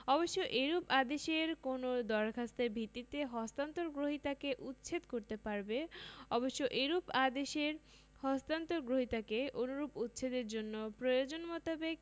অবশ্য এরূপ আদেশের কোনও দরখাস্তের ভিত্তিতে হস্তান্তর গ্রহীতাকে উচ্ছেদ করতে পারবে অবশ্য এরূপ আদেশের হস্তান্তর গ্রহীতাকে অনুরূপ উচ্ছেদের জন্য প্রয়োজন মোতাবেক